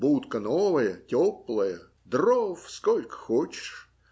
Будка новая, теплая, дров сколько хочешь